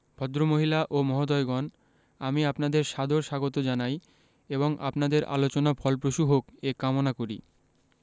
ভদ্রমহিলা ও মহোদয়গণ আমি আপনাদের সাদর স্বাগত জানাই এবং আপনাদের আলোচনা ফলপ্রসূ হোক এ কামনা করি